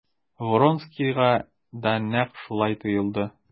Вронскийга да нәкъ шулай тоелды.